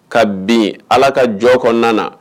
Ka bin ala ka jɔ kɔnɔna na